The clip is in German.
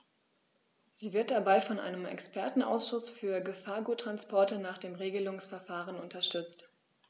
Sie wird dabei von einem Expertenausschuß für Gefahrguttransporte nach dem Regelungsverfahren unterstützt.